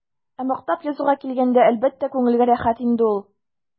Ә мактап язуга килгәндә, әлбәттә, күңелгә рәхәт инде ул.